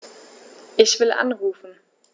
Ich will anrufen.